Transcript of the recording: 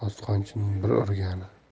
bosqonchining bir urgani